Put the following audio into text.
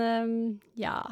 Ja.